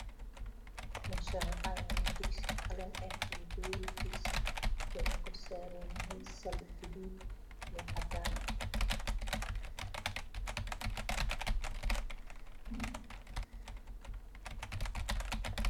Meshaan waxaa yalo digsi qalin ah iyo daboolkiisa wuxuu korsaran yahay sali gaduud iyo cadan eh